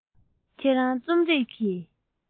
ཁྱོད རང རྩོམ རིག གི